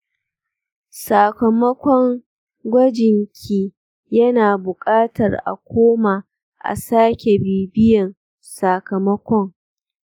sakamakon gwajin ki yana bukatar a koma a sake bibiyan sakamakon.